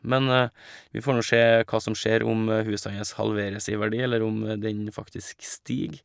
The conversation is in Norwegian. Men vi får nå se hva som skjer, om huset hans halveres i verdi eller om den faktisk stiger.